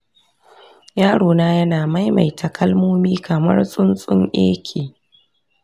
yarona yana maimaita kalmomi kamar tsuntsun ak